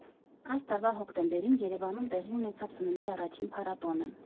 Այս տարվա հոկտեմբերին Երևանում տեղի ունեցավ սննդի առաջին փառատոնը։